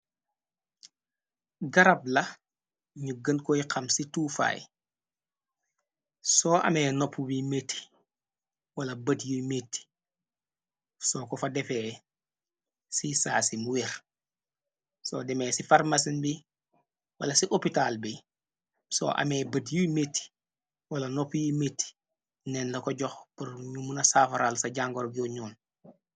Garab la ñu gën koy xam ci tuufaay soo amee nopp biy mitti wala bët yuy mitti soo ko fa defee ci saa si mu wer. Soo demee ci farmasin bi wala ci opitaal bi soo amee bët yuy mitti. Wala nopp yiy mitti neen la ko jox pr ñu mu na saafaral ca jangor yo ñoon.